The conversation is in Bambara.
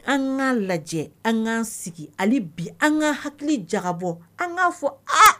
An ka lajɛ an'an sigi hali bi an ka hakili jabɔ an k' fɔ eee